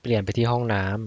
เปลี่ยนไปที่ห้องน้ำ